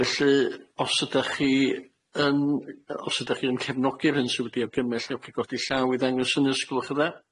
Felly os ydach chi yn yy- os ydach chi yn cefnogi'r hyn sydd wedi'i argymell, newch chi godi llaw i ddangos hynny os gwelwch yn dda.